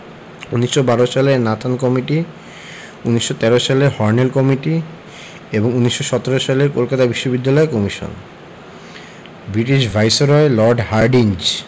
১৯১২ সালের Nathan committee ১৯১৩ সালের Hornell committee এবং ১৯১৭ সালের কলকাতা বিশ্ববিদ্যালয় commission British viceroy lord Hardinge